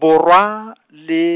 Borwa le,